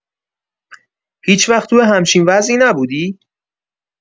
هیچ‌وقت توی همچین وضعی نبودی؟